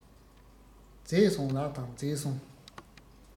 མཛེས སོང ལགས དང མཛེས སོང